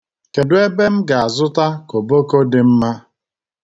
Kedụ ebe m ga-azụta koboko dị mma?